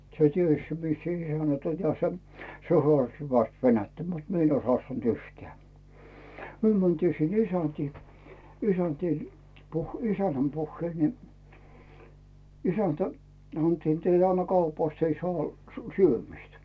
se tiesi missä se isännät oli ja se haastoi hyvästi venäjää mutta minä en olisi haastanut yhtään me mentiin sinne isäntiin isäntiin - isännän puheille niin isäntä sanottiin että ei ne anna kaupasta ei saa - syömistä